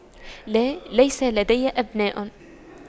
لا ليس لدي أبناء